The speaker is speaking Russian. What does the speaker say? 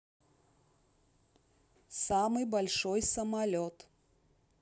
самый большой самолет